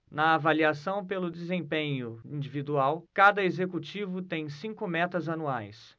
na avaliação pelo desempenho individual cada executivo tem cinco metas anuais